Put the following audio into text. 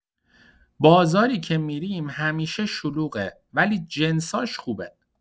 بازاری که می‌ریم همیشه شلوغه، ولی جنساش خوبه.